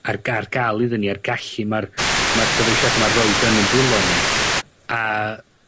ar gar ga'l iddyn ni a'r gallu ma'r ma'r dyfeisiada ma' roid yn 'yn dwylo ni a